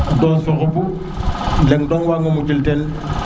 dose fa qupu leng doon wag ngo mucil teen